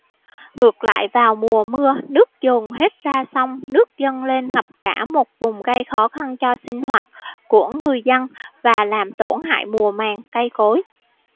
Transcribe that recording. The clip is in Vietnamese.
ngược lại vào mùa mưa nước dồn hết ra sông nước dâng lên ngập cả một vùng gây khó khăn cho sinh hoạt của người dân và làm tổn hại mùa màng cây cối